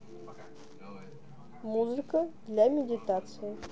музыка для медитации